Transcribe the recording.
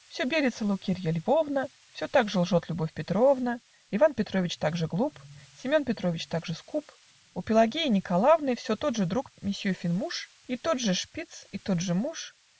Все белится Лукерья Львовна, Все то же лжет Любовь Петровна, Иван Петрович так же глуп, Семен Петрович так же скуп, У Пелагеи Николавны Все тот же друг мосье Финмуш, И тот же шпиц, и тот же муж